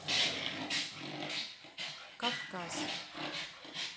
кавказ